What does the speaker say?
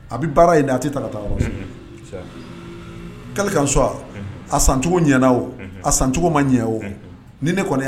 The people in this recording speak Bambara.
A bɛ baara ye da a tɛ ta taa ka a sancogo ɲɛ o a sancogo ma ɲɛ o ni ne kɔni